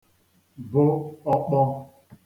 bụ̀ ọ̀kpọ